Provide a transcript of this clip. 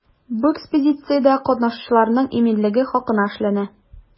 Бу экспедициядә катнашучыларның иминлеге хакына эшләнә.